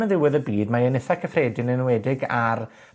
yn ddiwedd y byd. Mae e'n itha cyffredin, yn enwedig ar